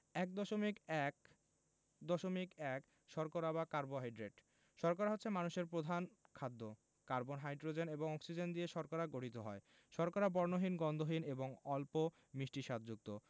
১.১.১ শর্করা বা কার্বোহাইড্রেট শর্করা হচ্ছে মানুষের প্রধান খাদ্য কার্বন হাইড্রোজেন এবং অক্সিজেন নিয়ে শর্করা তৈরি হয় শর্করা বর্ণহীন গন্ধহীন এবং অল্প মিষ্টি স্বাদযুক্ত